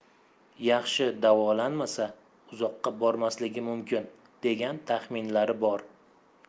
yaxshi davolanmasa uzoqqa bormasligi mumkin degan taxminlari bor